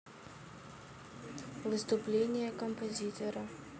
выступление композитора